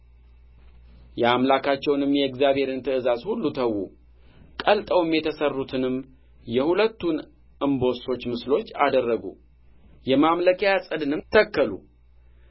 የአምላካቸውንም የእግዚአብሔርን ትእዛዝ ሁሉ ተዉ ቀልጠው የተሠሩትንም የሁለቱን እንቦሶች ምስሎች አደረጉ የማምለኪያ ዐፀድንም ተከሉ